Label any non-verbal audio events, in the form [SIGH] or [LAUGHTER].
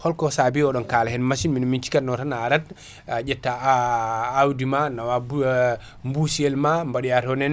holko saabi oɗon kala hen machine minen mi cikkanno tan a arat ƴetta [HESITATION] awdi ma nawa [HESITATION] bossiyel ma mbaɗoya ton henna